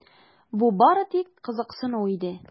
Бу бары тик кызыксыну иде.